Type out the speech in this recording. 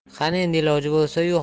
qani endi iloji bo'lsa yu